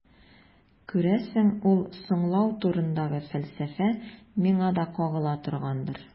Күрәсең, ул «соңлау» турындагы фәлсәфә миңа да кагыла торгандыр.